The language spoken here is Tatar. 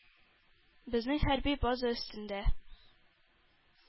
– безнең хәрби база өстендә.